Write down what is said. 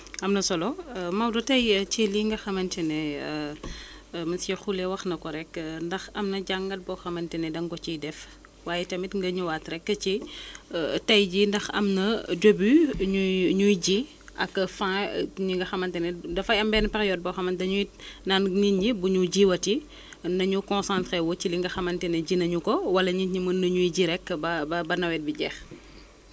am na solo Maodo tey ci li nga xamante ne monsieur Khoulé wax na ko rek ndax am na jàngat boo xamante ne da nga ko ciy def waaye tamit nga ñëwaat rek ci tey jii ndax am na début ñuy ñuy ji ak fin ñi nga xamante ne dafay am benn période boo xamante dañuy naan nit ñi bu énu jiati na ñu concentré wu ci li nga xamante ni ji nañu ko wala nit ñi mën nañuy ji rek ba ba ba nawet bi jeex